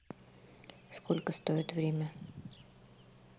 сколько стоит время